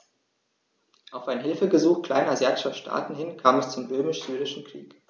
Auf ein Hilfegesuch kleinasiatischer Staaten hin kam es zum Römisch-Syrischen Krieg.